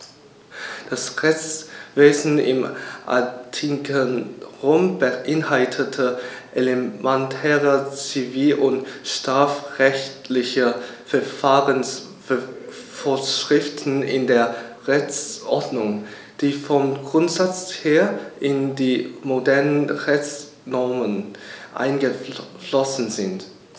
Das Rechtswesen im antiken Rom beinhaltete elementare zivil- und strafrechtliche Verfahrensvorschriften in der Rechtsordnung, die vom Grundsatz her in die modernen Rechtsnormen eingeflossen sind.